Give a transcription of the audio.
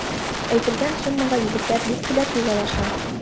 Әйтелгән суммага егетләр бик теләп ризалаша.